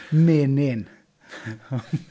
Mênyn .